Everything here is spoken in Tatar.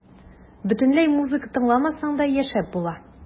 Бөтенләй музыка тыңламасаң да яшәп була.